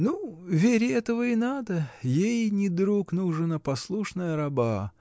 Ну, Вере этого и надо: ей не друг нужен, а послушная раба.